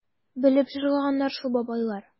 Белеп җырлаган шул бабайлар...